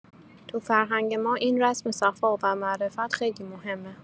تو فرهنگ ما این رسم صفا و معرفت خیلی مهمه.